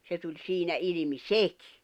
se tuli siinä ilmi sekin